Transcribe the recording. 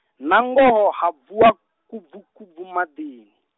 nangoho ha vuwa, kubvukubvu maḓini.